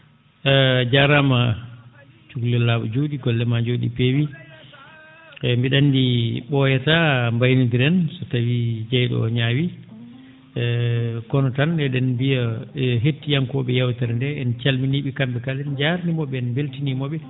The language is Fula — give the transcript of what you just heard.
% jaaraama cukalel laa?a juu?e golle maa njoo?ii peewii eeyi mbi?a anndi ?ooyataaa mbaynonndiren so tawii jey?o o ñaawii kono tan e?en mbiya hettiyankoo?e yeewtere nde en calminii ?e kam?e kala en njaarnima ?e en mbeltiniima ?e